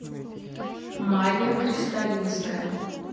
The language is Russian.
майя кристалинская